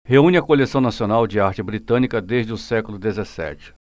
reúne a coleção nacional de arte britânica desde o século dezessete